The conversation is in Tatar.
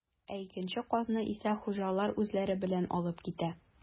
Ә икенче казны исә хуҗалар үзләре белән алып китә.